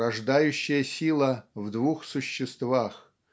Рождающая сила - в двух существах